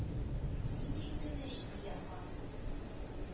— нинди үтенеч?— дигән хан.